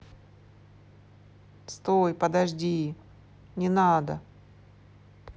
стой подожди не надо